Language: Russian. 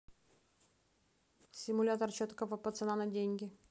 симулятор четкого пацана на деньги